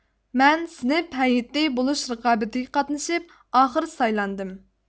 مەن سىنىپ ھەيئىتى بولۇش رىقابىتىگە قاتىنىشپ ئاخىر سايلاندىم